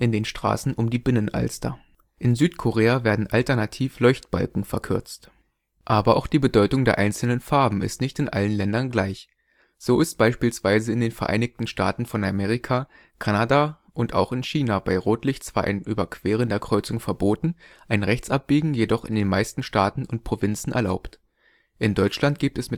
den Straßen um die Binnenalster). In Südkorea werden alternativ Leuchtbalken verkürzt. Ampel mit Zeichen 720 „ Grünpfeil “Aber auch die Bedeutung der einzelnen Farben ist nicht in allen Ländern gleich. So ist beispielsweise in den Vereinigten Staaten von Amerika, Kanada und auch in China bei Rotlicht zwar ein Überqueren der Kreuzung verboten, ein Rechtsabbiegen jedoch in den meisten Staaten und Provinzen erlaubt. In Deutschland gibt es